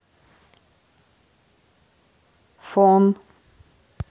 фон